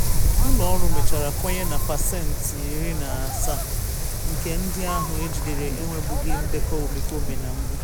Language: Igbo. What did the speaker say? Ụlọ ọrụ mechara kwenye na pasentị 70 nke ndị ahụ ejidere enwebughi ndekọ omekome na mbụ.